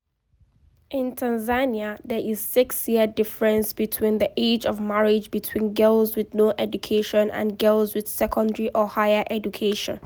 In Tanzania, there is a 6-year difference between the age of marriage between girls with no education and girls with secondary or higher education.